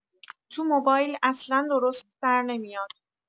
تو موبایل اصلا درست در نمیاد